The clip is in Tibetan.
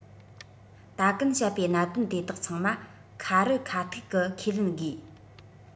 ད གིན བཤད པའི གནད དོན དེ དག ཚང མ ཁ རི ཁ ཐུག གིས ཁས ལེན དགོས